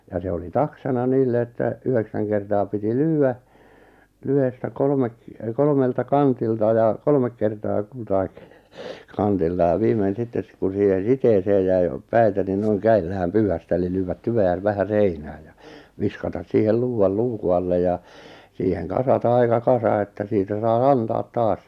ja se oli taksana niille että yhdeksän kertaa piti lyödä lyhdettä kolme kolmelta kantilta ja kolme kertaa kultakin kantilta ja viimeinen sitten kun siihen siteeseen jäi päitä niin noin kädellä vähän pyyhkäistä eli lyödä tyveä vähän seinään ja viskata siihen luudalla luukun alle ja siihen kasata aika kasa että siitä sai antaa taas